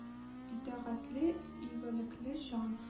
Итәгатьле, игелекле җан